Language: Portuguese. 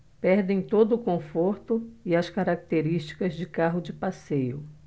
perdem todo o conforto e as características de carro de passeio